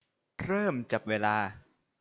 เริ่มจับเวลา